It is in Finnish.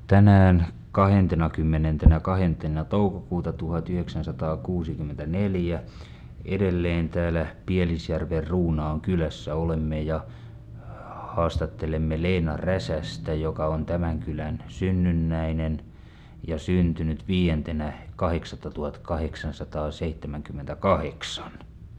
tänään kahdentenakymmenentenäkahdentena toukokuuta tuhatyhdeksänsataakuusikymmentäneljä edelleen täällä Pielisjärven Ruunaankylässä olemme ja haastattelemme Leena Räsästä joka on tämän kylän synnynnäinen ja syntynyt viidentenä kahdeksatta tuhatkahdeksansataaseitsemänkymmentäkahdeksan